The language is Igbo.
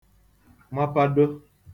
mapado